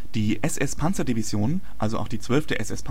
Die SS-Panzerdivisionen, also auch die 12. SS-Panzerdivision